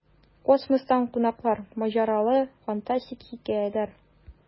Космостан кунаклар: маҗаралы, фантастик хикәяләр.